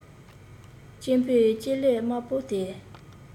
གཅེན པོས ལྕེ ལེབ དམར པོ དེས